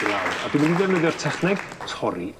i lawr a dwi mynd i ddefnyddio'r techneg torri